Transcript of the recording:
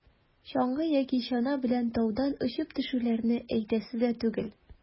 Чаңгы яки чана белән таудан очып төшүләрне әйтәсе дә түгел.